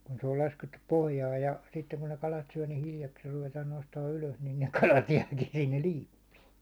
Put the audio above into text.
kun se oli laskettu pohjaan ja sitten kun ne kalat syö niin hiljakseen ruvetaan nostamaan ylös niin ne kalat jääkin sinne liippiin